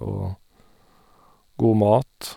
Og god mat.